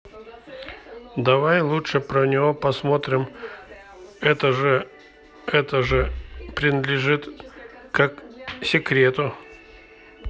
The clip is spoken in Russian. давайте лучше про него посмотрим это же это же пренадлежит как секрету